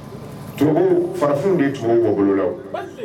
Tu farafin de tun wo bolo la